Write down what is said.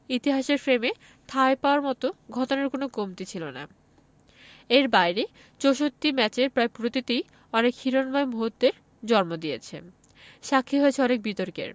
ইতিহাসের ফ্রেমে ঠাঁই পাওয়ার মতো ঘটনার কোনো কমতি ছিল না এর বাইরে ৬৪ ম্যাচের প্রায় প্রতিটিই অনেক হিরণ্ময় মুহূর্তের জন্ম দিয়েছে সাক্ষী হয়েছে অনেক বিতর্কেরও